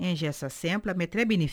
Nzɛn sa se ppme t bɛ nin fɛ